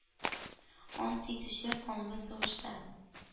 Ант итүче канлы сугышта?